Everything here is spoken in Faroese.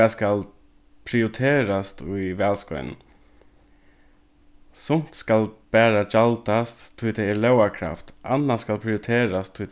hvat skal prioriterast í valskeiðnum sumt skal bara gjaldast tí tað er lógarkravt annað skal prioriterast tí